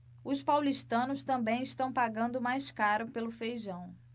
os paulistanos também estão pagando mais caro pelo feijão